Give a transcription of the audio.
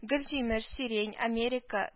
Гөлҗимеш, сирень, америка